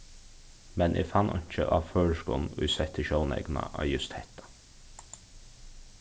men eg fann einki á føroyskum ið setti sjóneykuna á júst hetta